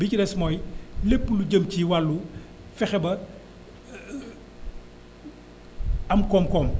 bi ci des mooy lépp lu jëm ci wàllu fexe ba am koom-koom